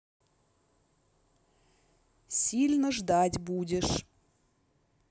сильно ждать будешь